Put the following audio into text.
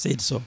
seydi Sow